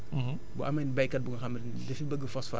donc tey jii fi mu nekk nii ci Loga ak li ko wër